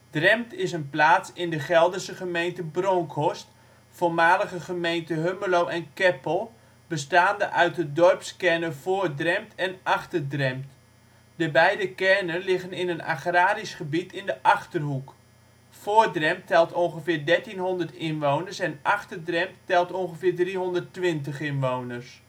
Drempt is een plaats in de Gelderse gemeente Bronckhorst (voormalige gemeente Hummelo en Keppel) bestaande uit de dorpskernen Voor-Drempt en Achter-Drempt. De beide kernen liggen in een agrarisch gebied in de Achterhoek. Voor-Drempt telt ongeveer 1300 inwoners en Achter-Drempt telt ongeveer 320 inwoners